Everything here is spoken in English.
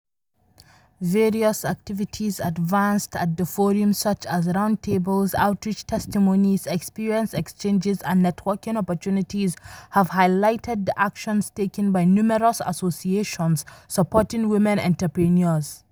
Various activities advanced at the forum, such as round tables, outreach testimonies, experience exchanges and networking opportunities have highlighted the actions taken by numerous associations supporting women entrepreneurs.